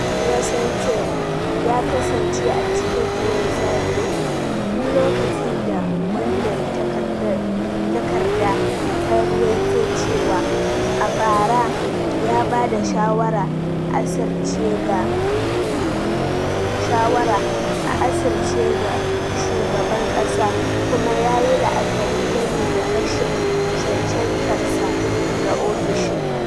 Rosenstein ya kasance a cikin ruwan zafi tun lokacin da wannan takarda ta ruwaito cewa, a bara, ya bada shawara a asirce ga shugaban kasa kuma ya yi la'akari game da rashin cancantar sa ga ofishin.